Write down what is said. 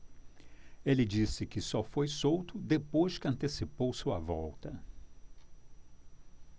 ele disse que só foi solto depois que antecipou sua volta